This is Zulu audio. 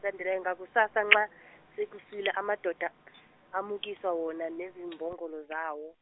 ngakusasa nxa sekusile amadoda , amukiswa wona nezimbongolo zawo.